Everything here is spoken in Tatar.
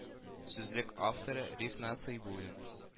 Сүзлек авторы Риф Насыйбуллин